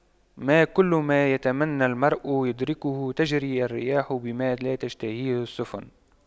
ما كل ما يتمنى المرء يدركه تجرى الرياح بما لا تشتهي السفن